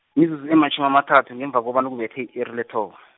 mizuzu ematjhumi amathathu ngemva kobana kubethe i-iri lethoba.